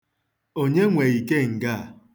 Onye nwe ikenga a?